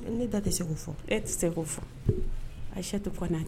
Ne da tɛ se' fɔ e tɛ se k' fɔ ayi si tɛ fɔ n'